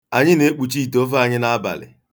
Anyị na-ekpuchi ite ofe anyị n'abalị.